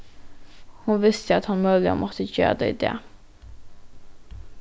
hon visti at hann møguliga mátti gera tað í dag